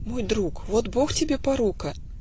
- "Мой друг, вот бог тебе порука".